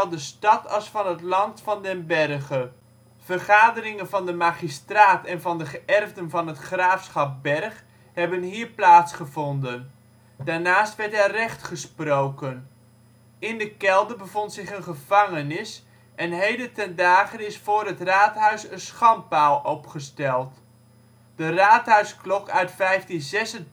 de stad als van het land van den Berge. Vergaderingen van de magistraat en van de geërfden van het graafschap Bergh hebben hier plaatsgevonden. Daarnaast werd er recht gesproken. In de kelder bevond zich een gevangenis en heden ten dage is voor het raadhuis een schandpaal opgesteld. De raadhuisklok uit 1526